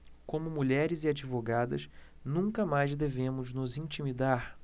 como mulheres e advogadas nunca mais devemos nos intimidar